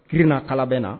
Kirinna kala bɛ na